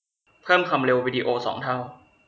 เพิ่มความเร็ววีดีโอสองเท่า